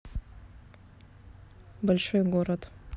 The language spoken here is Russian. большой город